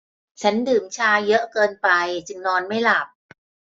ฉันดื่มชาเยอะเกินไปจึงนอนไม่หลับ